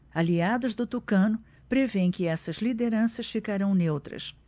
aliados do tucano prevêem que essas lideranças ficarão neutras